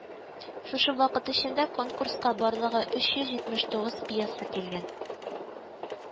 Шушы вакыт эчендә конкурска барлыгы өч йөз җитмеш тугыз пьеса килгән